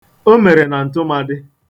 O mere na ntụmadị